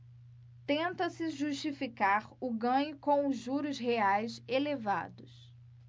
tenta-se justificar o ganho com os juros reais elevados